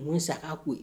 Mun sa' koo ye